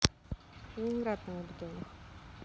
ленинград на лабутенах